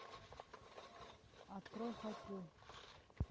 открой хоккей